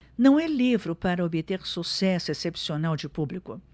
não é livro para obter sucesso excepcional de público